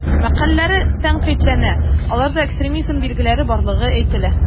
Мәкаләләре тәнкыйтьләнә, аларда экстремизм билгеләре барлыгы әйтелә.